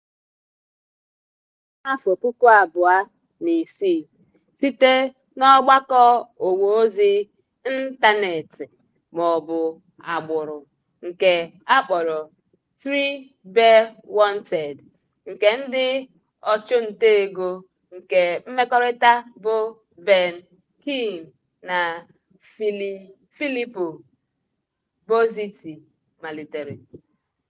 Ọ malitere n'afọ puku abụọ na isii (2006) site n'ọgbakọ ọwaozi ntanetị maọbụ "agbụrụ" nke akpọrọ TribeWanted nke ndị ọchụntaego nke mmekọrịta bụ Ben Keene na Fillippo Bozotti malitere.